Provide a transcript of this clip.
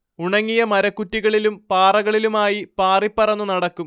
ഉണങ്ങിയ മരക്കുറ്റികളിലും പാറകളിലുമായി പാറിപ്പറന്നു നടക്കും